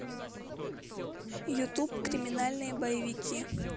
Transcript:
ютуб криминальные боевики